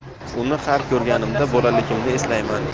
uni har ko'rganimda bolaligimni eslayman